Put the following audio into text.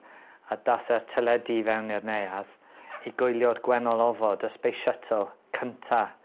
a dath e â'r teledu i fewn i'r neuadd i gwylio'r gwennol ofod y space shuttle cynta